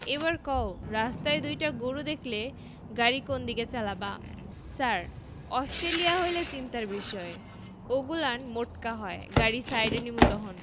এইবার কও রাস্তায় দুইটা গরু দেখলে গাড়ি কোনদিকে চালাবা ছার অশটেলিয়া হইলে চিন্তার বিষয় ওগুলান মোটকা হয় গাড়ি সাইডে নিমু তহন